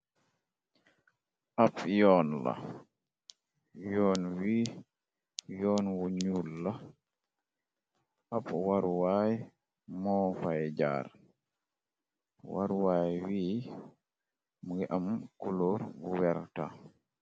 Ab yoon la yoon wi yoon wu ñul la ab waruwaay moo fay jaar waruwaay wii mngi am kulóor bu werta.